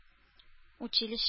Училище